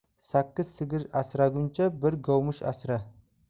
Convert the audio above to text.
sakkiz sigir asraguncha bir govmish asra